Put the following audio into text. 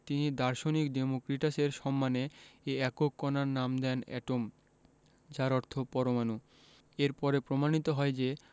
তিনি দার্শনিক ডেমোক্রিটাসের সম্মানে এ একক কণার নাম দেন এটম যার অর্থ পরমাণু এর পরে প্রমাণিত হয় যে